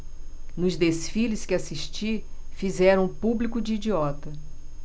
nos desfiles que assisti fizeram o público de idiota